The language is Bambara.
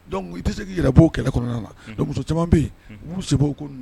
Dɔnku i tɛ se' i yɛrɛ b'o kɛlɛ kɔnɔna na muso caman bɛ yen'u se